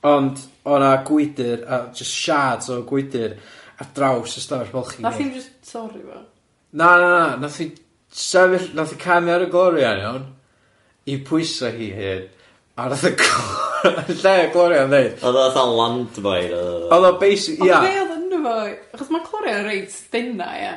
Ond o' 'na gwydyr yy jyst shards o gwydyr ar draws y stafell folchi gyd. Nath hi'm jyst torri fo. Na na na na nath hi sefyll... Nath hi camu ar y glorian iawn i pwyso hi hun a nath y clo- y lle y glorian ddeud. O'dd o tha landmine o'dd. O'dd o basic- ia. Ond be' o'dd yno fo achos ma clorian reit dena ia?